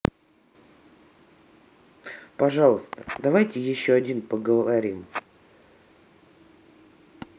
пожалуйста давайте еще один поговорим